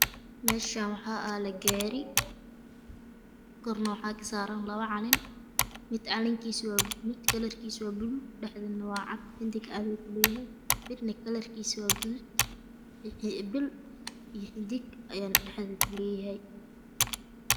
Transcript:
Meshan waxa yalo gaari korwaxakasaran Labacalan midkalarkisawabalug dhaxdana xidig cad ayukuleyahay midna kalarkisa wa